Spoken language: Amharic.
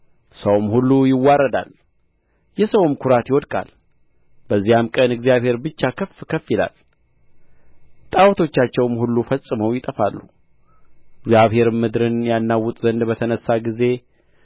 ሰውም ሁሉ ይዋረዳል የሰውም ኵራት ይወድቃል በዚያም ቀን እግዚአብሔር ብቻ ከፍ ከፍ ይላል ጣዖቶቻቸውም ሁሉ ፈጽመው ይጠፋሉ እግዚአብሔርም ምድርን ያናውጥ ዘንድ በተነሣ ጊዜ